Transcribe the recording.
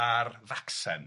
ar Facsen.